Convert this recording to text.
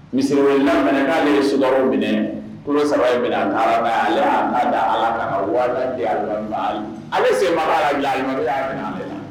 Misi ye sudaraw minɛ kolo saba in minɛ a alada ala ale bɛ sema la minɛ